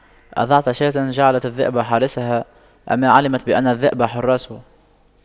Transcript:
أضعت شاة جعلت الذئب حارسها أما علمت بأن الذئب حراس